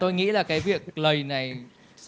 tôi nghĩ là cái việc lầy này